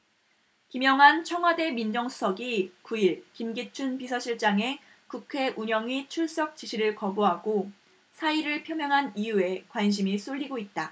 김영한 청와대 민정수석이 구 일 김기춘 비서실장의 국회 운영위 출석 지시를 거부하고 사의를 표명한 이유에 관심이 쏠리고 있다